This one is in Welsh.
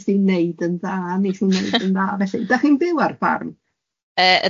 O neithi neud yn dda neithi neud yn dda felly. 'Da chi'n byw ar ffarm?